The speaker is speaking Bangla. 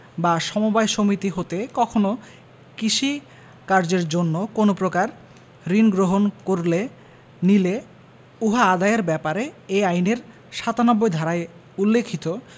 বা সমবায় সমিতি হতে কখনো কৃষি কায্যের জন্য কোন প্রকার ঋণ গ্রহণ করলে নিলে উহা আদায়ের ব্যাপারে এ আইনের ৯৭ ধারায় উল্লেখিত